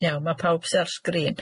Iawn ma' pawb sy ar sgrin.